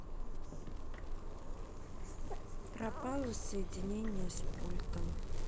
пропало соединение с пультом